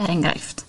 er enghraifft